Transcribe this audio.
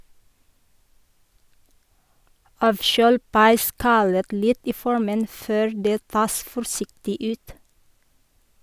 Avkjøl pai-skallet litt i formen før det tas forsiktig ut.